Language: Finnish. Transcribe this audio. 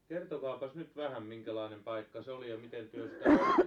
kertokaapas nyt vähän minkälainen paikka se oli ja miten te sitä vettä